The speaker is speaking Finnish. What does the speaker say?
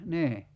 niin